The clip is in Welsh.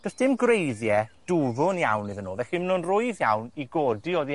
do's dim gwreiddie dwfwn iawn iddyn nw, felly ma' nw'n rhwydd iawn i godi oddi